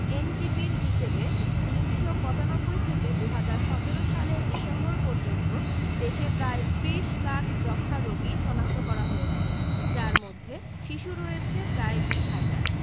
এনটিপির হিসেবে ১৯৯৫ থেকে ২০১৭ সালের ডিসেম্বর পর্যন্ত দেশে প্রায় ৩০ লাখ যক্ষ্মা রোগী শনাক্ত করা হয়েছে যার মধ্যে শিশু রয়েছে প্রায় ২০ হাজার